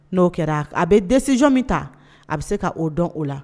N'o kɛra a bɛ dɛsɛsiy min ta a bɛ se k ka oo dɔn o la